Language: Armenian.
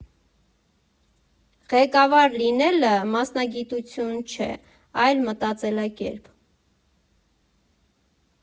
Ղեկավար լինելը մասնագիտություն չէ, այլ մտածելակերպ։